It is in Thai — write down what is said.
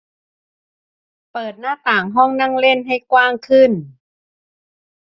เปิดหน้าต่างห้องนั่งเล่นให้กว้างขึ้น